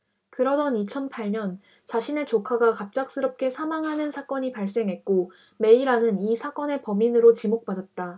그러던 이천 팔 년 자신의 조카가 갑작스럽게 사망하는 사건이 발생했고 메이라는 이 사건의 범인으로 지목받았다